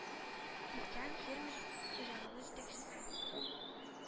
Крестьян-фермер хуҗалыгы җитәкчесе